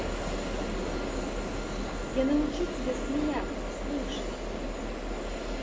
я научу тебя смеяться слушать